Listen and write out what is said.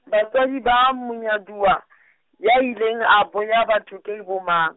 batswadi ba monyaduwa , ya ileng a boya batho ke bo mang?